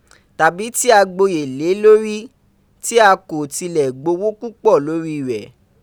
tàbí tí o gboyè lé lórí, bí o kò tilẹ̀ gbowó púpọ̀ lórí rẹ.